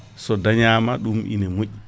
so dañama ɗum ina moƴƴi